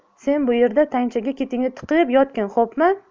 sen bu yerda tanchaga ketingni tiqii ib yotgin xo'pmi